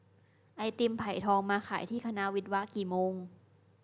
ไอติมไผ่ทองมาขายที่คณะวิศวะกี่โมง